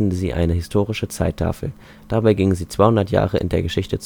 sie eine historische Zeittafel. Dabei gingen sie 200 Jahre in der Geschichte zurück